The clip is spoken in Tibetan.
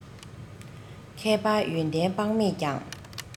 མཁས པ ཡོན ཏན དཔག མེད ཀྱང